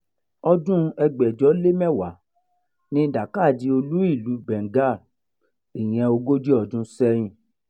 Ọdún-un 1610 ni Dhaka di olú-ìlúu Bengal, ìyẹn ogójì ọdún sẹ́yìn.